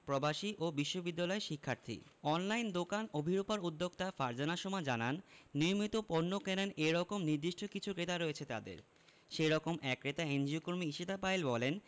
প্রবাসী ও বিশ্ববিদ্যালয় শিক্ষার্থী অনলাইন দোকান অভিরুপার উদ্যোক্তা ফারজানা সোমা জানান নিয়মিত পণ্য কেনেন এ রকম নির্দিষ্ট কিছু ক্রেতা রয়েছে তাঁদের সে রকম এক ক্রেতা এনজিওকর্মী ঈশিতা পায়েল বলেন